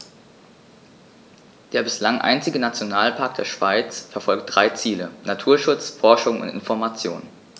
Der bislang einzige Nationalpark der Schweiz verfolgt drei Ziele: Naturschutz, Forschung und Information.